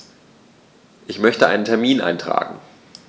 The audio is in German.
Ich möchte einen Termin eintragen.